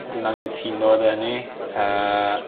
dwi'n angytuno 'da hynny. Yy.